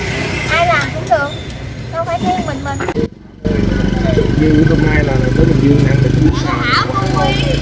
vậy thôi đơn giản ai làm cũng được đâu chỉ riêng mình mình như hôm nay là tới bình dương ăn được món bún xào quá ngon